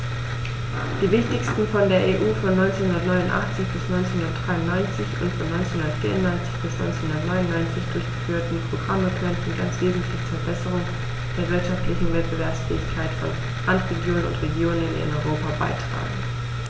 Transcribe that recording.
Die wichtigsten von der EU von 1989 bis 1993 und von 1994 bis 1999 durchgeführten Programme konnten ganz wesentlich zur Verbesserung der wirtschaftlichen Wettbewerbsfähigkeit von Randregionen und Regionen in Europa beitragen.